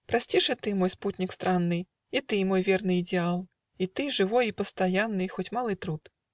Прости ж и ты, мой спутник странный, И ты, мой верный идеал, И ты, живой и постоянный, Хоть малый труд.